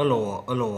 ཨུ ལའོ ཨུ ལའོ